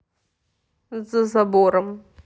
за забором